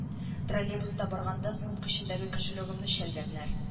Троллейбуста барганда сумка эчендәге кошелегымны чәлгәннәр